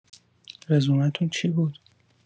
رزومتون چی بود؟